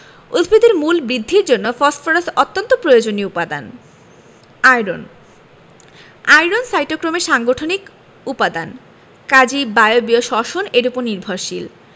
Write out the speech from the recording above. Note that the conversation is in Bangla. উদ্ভিদের মূল বৃদ্ধির জন্য ফসফরাস অত্যন্ত প্রয়োজনীয় উপাদান আয়রন আয়রন সাইটোক্রোমের সাংগঠনিক উপাদান কাজেই বায়বীয় শ্বসন এর উপর নির্ভরশীল